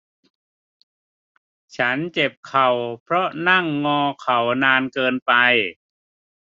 ฉันเจ็บเข่าเพราะนั่งงอเข่านานเกินไป